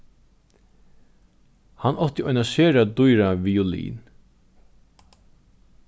hann átti eina sera dýra violin